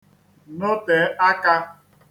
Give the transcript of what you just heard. nọtè aka